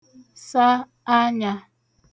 sa anyā